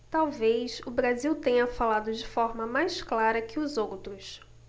talvez o brasil tenha falado de forma mais clara que os outros